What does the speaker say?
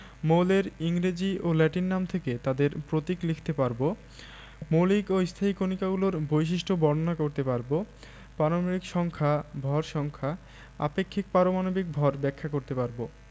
মৌলের ইংরেজি ও ল্যাটিন নাম থেকে তাদের প্রতীক লিখতে পারব মৌলিক ও স্থায়ী কণিকাগুলোর বৈশিষ্ট্য বর্ণনা করতে পারব পারমাণবিক সংখ্যা ভর সংখ্যা আপেক্ষিক পারমাণবিক ভর ব্যাখ্যা করতে পারব